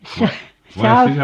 --